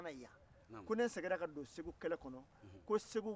ni i ma kɛ donso ye i tɛ furu ɲɔgɔn sɔrɔ